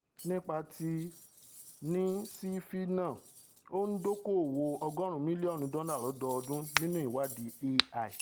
Nípá ti NSF náà, ó ń dóoko-òwò ọgọ́ọ̀rún mílíọ̀nù dọ́là lọ́dọ́ọdún nínú ìwáàdí AI.